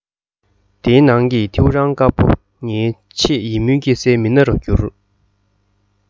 དེའི ནང གི ཐེའུ རང དཀར པོ ངའི ཆེས ཡིད སྨོན སྐྱེ སའི མི སྣ རུ གྱུར